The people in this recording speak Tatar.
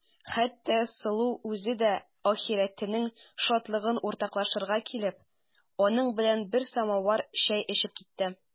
Хәтта Сылу үзе дә ахирәтенең шатлыгын уртаклашырга килеп, аның белән бер самавыр чәй эчеп китте.